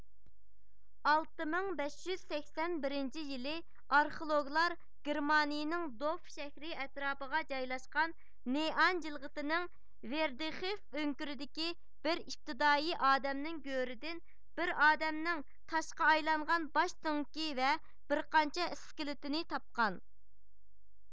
ئالتە مىڭ بەش يۈز سەكسەن بىرىنچى يىلى ئارخېئولوگلار گېرمانىيىنىڭ دوف شەھىرى ئەتراپىغا جايلاشقان نېئان جىلغىسىنىڭ ۋىردىخىف ئۆڭكۈرىدىكى بىر ئىپتىدائىي ئادەمنىڭ گۆرىدىن بىر ئادەمنىڭ تاشقا ئايلانغان باش سۆڭىكى ۋە بىرقانچە ئىسكىلىتىنى تاپقان